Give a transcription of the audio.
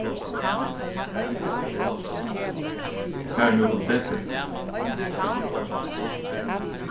eg fari nú til depils